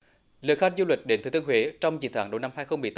lượng khách du lịch đến thừa thiên huế trong chiến thắng đầu năm hai không bị